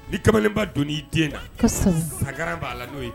Ni kamalenba don'i den sangaran b'a la n'o ye